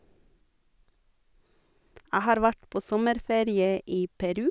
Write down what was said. Jeg har vært på sommerferie i Peru.